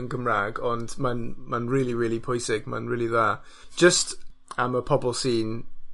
yn Gymrag ond ma'n ma'n rili rili pwysig. Mae'n rili dda. Jyst am y pobl sy'n